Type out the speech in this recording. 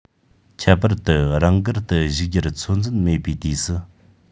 ཁྱད པར དུ རང དགར དུ ཞུགས རྒྱུར ཚོད འཛིན མེད པའི དུས སུ